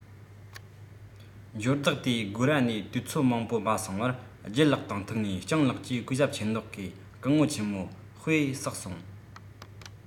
འབྱོར བདག དེའི སྒོ ར ནས དུས ཚོད མང པོ མ སོང བར ལྗད ལགས དང ཐུག ནས སྤྱང ལགས ཀྱིས གུས ཞབས ཆེ མདོག གིས སྐུ ངོ ཆེན མོ དཔེ བསགས སོང